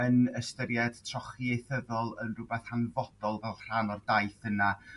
yn ystyried trochi ieithyddol yn r'wbath hanfodol fel rhan o'r daith yna